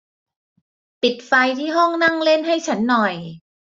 ปิดไฟที่ห้องนั่งเล่นให้ฉันหน่อย